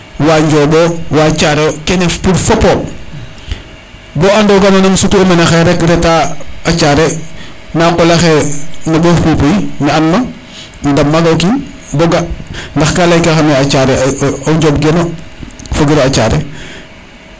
wa Ndiomb o wa THiare yo kene pour fopo bo ando ga nona um sutu mene xaye rek reta a Thiare na xa qola xe no Mbof Poupouy me an ma im dam maga o kiin bo ga ndax ka leyka xame a thiare o Ndiomb geno fo giro a Thiare